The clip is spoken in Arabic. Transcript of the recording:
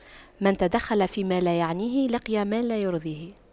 من تدخل فيما لا يعنيه لقي ما لا يرضيه